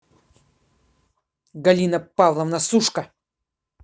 галина павловна сушка